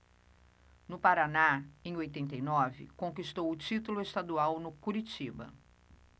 no paraná em oitenta e nove conquistou o título estadual no curitiba